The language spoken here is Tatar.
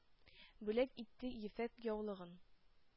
Бүләк итте ефәк яулыгын;